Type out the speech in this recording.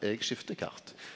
eg skifter kart.